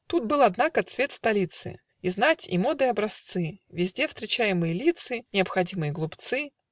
Тут был, однако, цвет столицы, И знать, и моды образцы, Везде встречаемые лицы, Необходимые глупцы